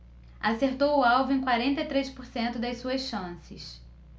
acertou o alvo em quarenta e três por cento das suas chances